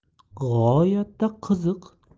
g'oyatda qiziq